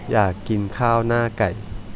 อยากกินข้าวหน้าไก่